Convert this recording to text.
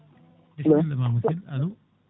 bisimilla ma musidɗo allo